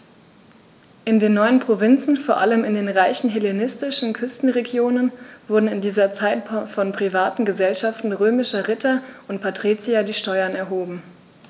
In den neuen Provinzen, vor allem in den reichen hellenistischen Küstenregionen, wurden in dieser Zeit von privaten „Gesellschaften“ römischer Ritter und Patrizier die Steuern erhoben.